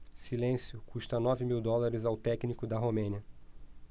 silêncio custa nove mil dólares ao técnico da romênia